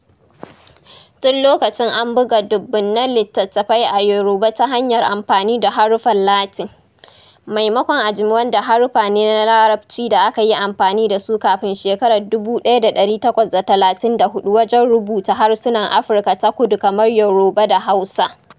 Tun lokacin an buga dubunnan litattafai a Yoruba ta hanyar amfani da haruffan Latin, maimakon ajami wanda haruffa ne na Larabci da aka yi amfani da su kafin shekarar 1834 wajen rubuta harsunan Afirka ta kudu kamar Yoruba da Hausa.